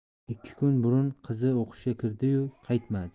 ikki kun burun qizi o'qishga ketdi yu qaytmadi